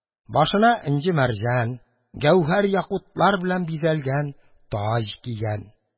Башына энҗе-мәрҗән, гәүһәр-якутлар белән бизәлгән таҗ кигән.